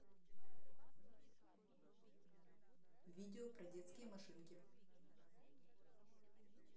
видео про детские машинки